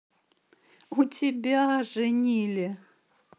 у тебя женили